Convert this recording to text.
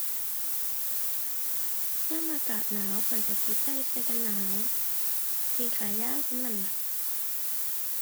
ยามอากาศหนาว ข้อยก็สิใส่เสื้อกันหนาว กางเกงขายาวส่ำนั้นล่ะ